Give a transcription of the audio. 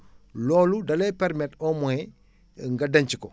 loolu da lay permettre au moins nga denc ko